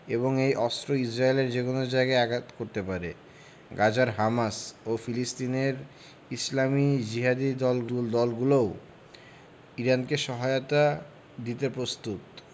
এবং এই অস্ত্র ইসরায়েলের যেকোনো জায়গায় আঘাত করতে পারে গাজার হামাস ও ফিলিস্তিনের ইসলামি জিহাদি দলগুলোও ইরানকে সহায়তা দিতে প্রস্তুত